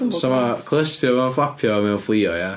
So mae clustia fo'n fflapio a mae o'n fflio ia.